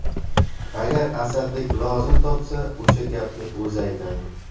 agar asadbek lozim topsa o'sha gapni o'zi aytadi